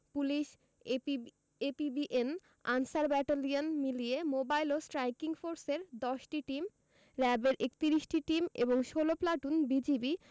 police APB APBN Ansar battalion মিলিয়ে mobile ও striking ফোর্সের ১০টি টিম র ্যাবের ৩১টি টিম এবং ১৬ প্লাটুন বিজিবি